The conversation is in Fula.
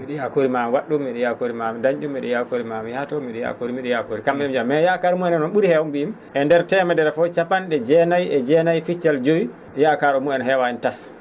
mbi?i yakori mami wa??um mbi?i yakori mami dañ?um mbi?a yakori mami yaahtoon mbi?a yakori mbi?a yakori kam?e ?e mbiyata mais yakare mumen noon ?uri heen heew mbimi e nder teemedere fof cappan?e jeenayi e jeenayi piccal joyi yakare mumen heewani tas